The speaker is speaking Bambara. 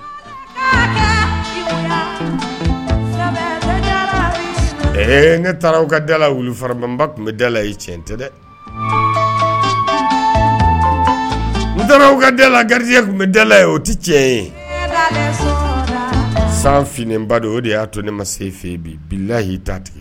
Ne taara u ka wufaba tun bɛ da la tiɲɛ tɛ dɛ n taara u ka gari tun bɛ o tɛ tiɲɛ ye san fba don o de y'a to ne ma se fɛ bi bila y'i ta tigɛ